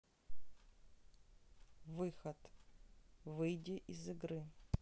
выход выйди из игры